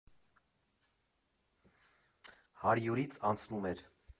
Հարյուրից անցնում էր։